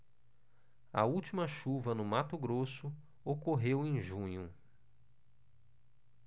a última chuva no mato grosso ocorreu em junho